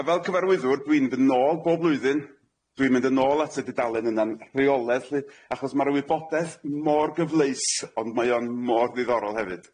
A fel cyfarwyddwr dwi'n mynd yn ôl bob blwyddyn dwi'n mynd yn ôl at y dudalen yna'n rheoledd lly achos ma'r wybodaeth mor gyfleus ond mae o'n mor ddiddorol hefyd.